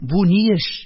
Бу ни эш!?